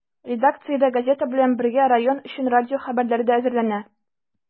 Редакциядә, газета белән бергә, район өчен радио хәбәрләре дә әзерләнә.